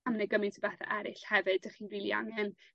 A ma' 'na gymaint o bathe eryll hefyd 'dych chi'n rili angen